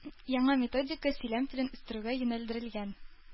Яңа методика сөйләм телен үстерүгә юнәлдерелгән.